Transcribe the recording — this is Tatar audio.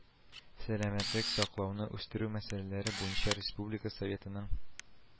Сәламәтлек саклауны үстерү мәсьәләләре буенча Республика Советының